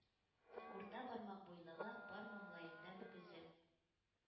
Урта бармак буйлыгы бар маңлаенда мөгезе.